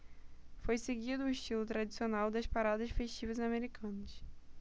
foi seguido o estilo tradicional das paradas festivas americanas